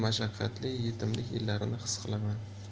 mashaqqatli yetimlik yillarini xis qilaman